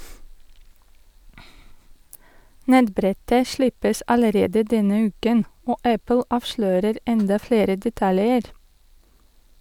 Nettbrettet slippes allerede denne uken, og Apple avslører enda flere detaljer.